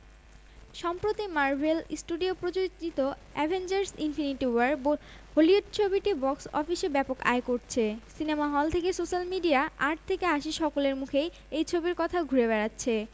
সম্প্রতি Marvel studio প্রযোজিত Avengers Infinity War Hollywood ছবিটি বক্স অফিসে ব্যাপক আয় করছে সিনেমা হল থেকে সোশ্যাল মিডিয়া আট থেকে আশি সকলের মুখেই এই ছবির কথা ঘুরে বেড়াচ্ছে